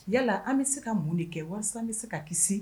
Yala an bɛ se ka mun de kɛ walasa bɛ se ka kisi